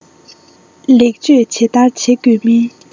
ལེགས བཅོས ཇི ལྟར བྱེད དགོས མིན